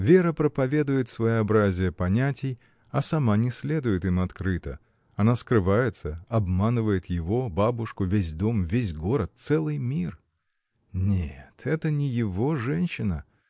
Вера проповедует своеобразие понятий, а сама не следует им открыто, она скрывается, обманывает его, бабушку, весь дом, весь город, целый мир! Нет, это не его женщина!